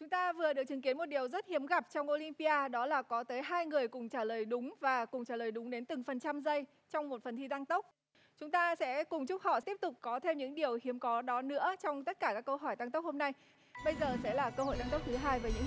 chúng ta vừa được chứng kiến một điều rất hiếm gặp trong ô lim pi a đó là có tới hai người cùng trả lời đúng và cùng trả lời đúng đến từng phần trăm giây trong một phần thi tăng tốc chúng ta sẽ cùng chúc họ tiếp tục có thêm những điều hiếm có đó nữa trong tất cả các câu hỏi tăng tốc hôm nay bây giờ sẽ là cơ hội tăng tốc thứ hai với những